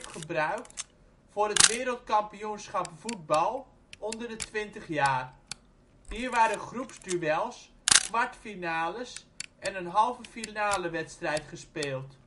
gebruikt voor het Wereldkampioenschap voetbal onder de 20 jaar, hier waren groepsduels, kwartfinales en een halve finalewedstrijd gespeeld